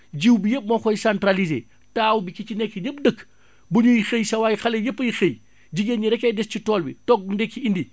jiwu bi yépp moo koy centraliser taaw bi ci ci nekk ñépp dëkk bu ñuy xëy saa waay xale yépp ay xëy jigéen ñi rekk ay des ci tool bi togg ndékki indi